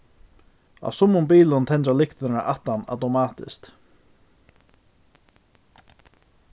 á summum bilum tendra lyktirnar aftan automatiskt